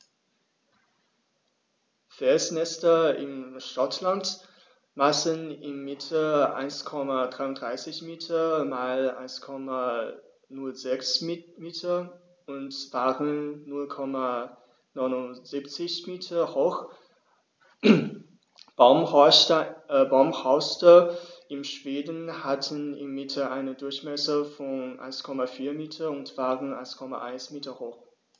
Felsnester in Schottland maßen im Mittel 1,33 m x 1,06 m und waren 0,79 m hoch, Baumhorste in Schweden hatten im Mittel einen Durchmesser von 1,4 m und waren 1,1 m hoch.